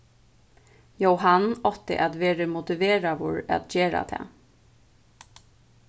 jóhan átti at verið motiveraður at gera tað